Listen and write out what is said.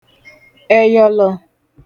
ẹyọ̀lọ̀